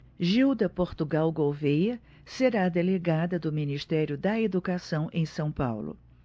gilda portugal gouvêa será delegada do ministério da educação em são paulo